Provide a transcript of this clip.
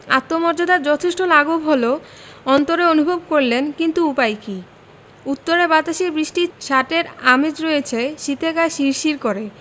আত্মমর্যাদার যথেষ্ট লাঘব হলো অন্তরে অনুভব করলেন কিন্তু উপায় কি উত্তরে বাতাসে বৃষ্টির ছাঁটের আমেজ রয়েছে শীতে গা শিরশির করে